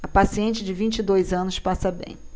a paciente de vinte e dois anos passa bem